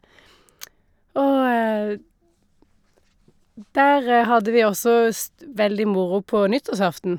Og der hadde vi også st veldig moro på nyttårsaften.